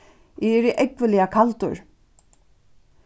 eg eri ógvuliga kaldur